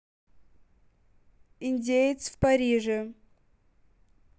индеец в париже